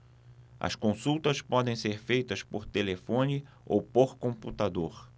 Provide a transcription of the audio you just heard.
as consultas podem ser feitas por telefone ou por computador